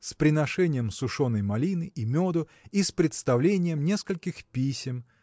с приношением сушеной малины и меду и с представлением нескольких писем